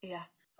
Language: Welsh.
Ia.